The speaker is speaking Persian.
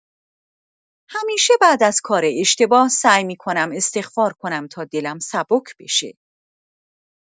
همیشه بعد از کار اشتباه، سعی می‌کنم استغفار کنم تا دلم سبک بشه.